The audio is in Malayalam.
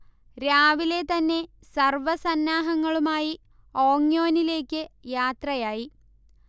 രാവിലെ തന്നെ സർവ സന്നാഹങ്ങളുമായി ഓങ്യോനിലേക്ക് യാത്രയായി